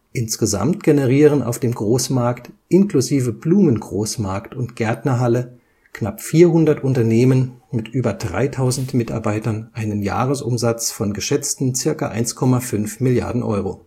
Insgesamt generieren auf dem Großmarkt inklusive Blumengroßmarkt und Gärtnerhalle knapp 400 Unternehmen mit über 3000 Mitarbeitern einen Jahresumsatz von geschätzten ca. 1,5 Milliarden Euro